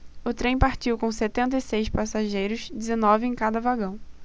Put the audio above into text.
o trem partiu com setenta e seis passageiros dezenove em cada vagão